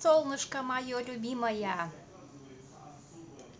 солнышко мое любимая